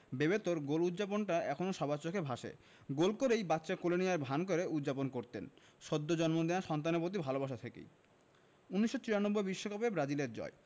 বেবেতোর গোল উদ্যাপনটা এখনো সবার চোখে ভাসে গোল করেই বাচ্চা কোলে নেওয়ার ভান করে উদ্যাপন করতেন সদ্য জন্ম নেওয়া সন্তানের প্রতি ভালোবাসা থেকেই ১৯৯৪ বিশ্বকাপের ব্রাজিলের জয়